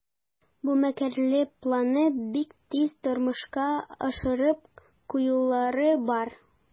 Бу мәкерле планны бик тиз тормышка ашырып куюлары бар.